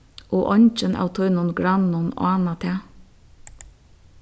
og eingin av tínum grannum ána tað